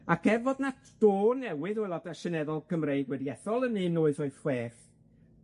Ac er fod 'na dô newydd o aeloda' seneddol Cymreig wedi ethol yn un wyth wyth chwech,